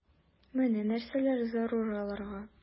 Менә нәрсәләр зарур аларга...